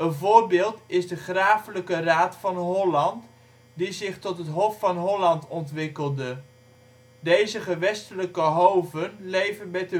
voorbeeld is de grafelijke raad van Holland, die zich tot het Hof van Holland ontwikkelde. Deze gewestelijke hoven leven met